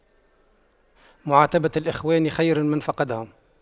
معاتبة الإخوان خير من فقدهم